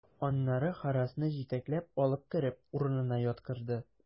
Аннары Харрасны җитәкләп алып кереп, урынына яткырды.